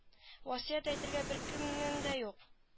Васыять әйтергә беркемем дә юк